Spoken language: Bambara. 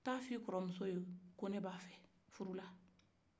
taa fɔ i kɔrɔmuso ye ko ne bɛ a fɛ furula